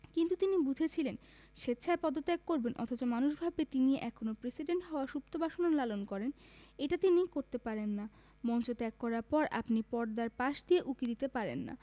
কিন্তু তিনি বুঝেছিলেন স্বেচ্ছায় পদত্যাগ করবেন অথচ মানুষ ভাববে তিনি এখনো প্রেসিডেন্ট হওয়ার সুপ্ত বাসনা লালন করেন এটা তিনি করতে পারেন না মঞ্চ ত্যাগ করার পর আপনি পর্দার পাশ দিয়ে উঁকি দিতে পারেন না